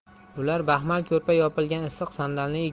ular baxmal ko'rpa yopilgan issiq sandalning ikki